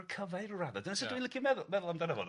Dyna sut dwi'n licio meddwl meddwl amdano fo.